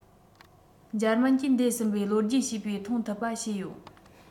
འཇར མན གྱིས འདས ཟིན པའི ལོ རྒྱུས བྱེད པའི མཐོང ཐུབ པ བྱས ཡོད